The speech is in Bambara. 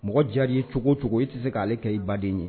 Mɔgɔ diya ye cogo cogo i tɛ se' aleale kɛ i baden ye